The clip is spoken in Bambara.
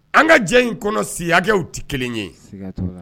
An ka jɛ in kɔnɔ si hakɛkɛw tɛ kelen ye